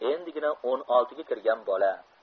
endigina o'n oltiga kirgan bola